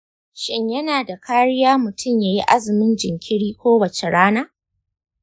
shin yana da kariya mutum ya yi azumin jinkiri kowace rana?